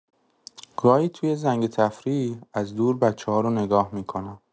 گاهی توی زنگ تفریح، از دور بچه‌ها رو نگاه می‌کنم.